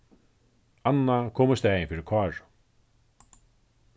anna kom í staðin fyri káru